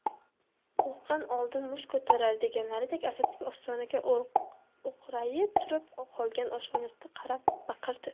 qo'rqqan oldin musht ko'tarar deganlaridek asadbek ostonada o'qrayib turib qolgan oshnasiga qarab baqirdi